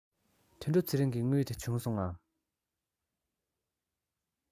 དོན གྲུབ ཚེ རིང གི དངུལ དེ བྱུང སོང ངས